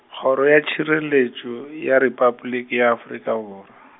Kgoro ya Tšhireletšo ya Repabliki ya Afrika Borwa.